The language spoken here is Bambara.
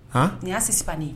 H nin y'asiin